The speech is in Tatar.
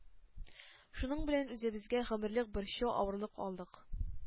Шуның белән үзебезгә гомерлек борчу, авырлык алдык.